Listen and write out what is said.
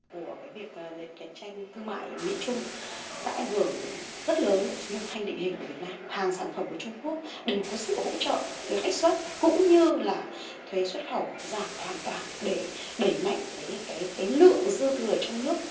của cái việc nền cạnh tranh thương mại mỹ trung đã ảnh hưởng rất lớn đồng thanh định hình của việt nam hàng sản phẩm của trung quốc đều có sự hỗ trợ lãi suất cũng như là thuế xuất khẩu giảm hoàn toàn để đẩy mạnh kể cả cái lượng dư thừa trong nước